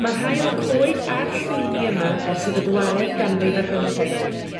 Ma' rhai o'r coed a'r llwyni yma ers y bedwaredd ganrif ar bymtheg